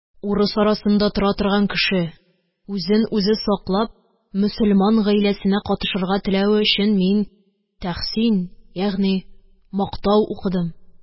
Урыс арасында тора торган кеше, үзен үзе саклап, мөселман гаиләсенә катышырга теләве өчен мин тәхсин, ягъни мактау укыдым.